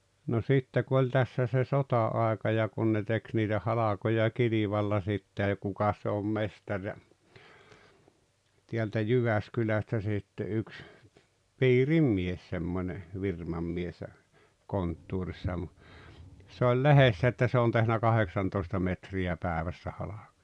no sitten kun oli tässä se sota-aika ja kun ne teki niitä halkoja kilvalla sitten ja kukas se on mestari ja täältä Jyväskylästä sitten yksi piirin mies semmoinen firman mies ja konttorissa ja - se oli lehdessä että se on tehnyt kahdeksantoista metriä päivässä halkoja